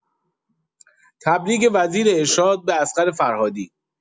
تبریک، وزیر ارشاد به اصغر فرهادی